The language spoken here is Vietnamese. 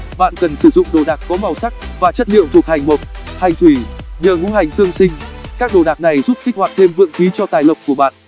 bạn cần sử dụng đồ đạc có màu sắc và chất liệu thuộc hành mộc hành thủy nhờ ngũ hành tương sinh các đồ đạc này giúp kích hoạt thêm vượng khí cho tài lộc của bạn